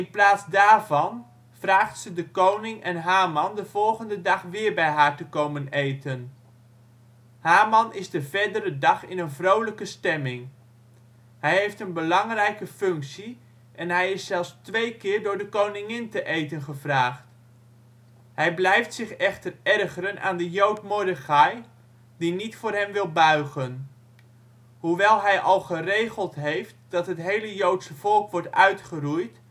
plaats daarvan vraagt ze de koning en Haman de volgende dag weer bij haar te komen eten. Haman is de verdere dag in een vrolijke stemming. Hij heeft een belangrijke functie en hij is zelfs twee keer door de koningin te eten gevraagd! Hij blijft zich echter ergeren aan de Jood Mordechai, die niet voor hem wil buigen. Hoewel hij al geregeld heeft dat het hele Joodse volk wordt uitgeroeid